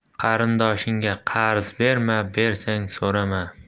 qarindoshingga qarz berma bersang so'rama